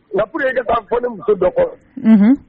Wapge' fɔ ne muso dɔkɔ un